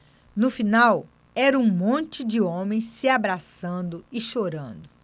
no final era um monte de homens se abraçando e chorando